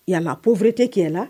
Yala pfororite tiɲɛ